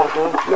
#hum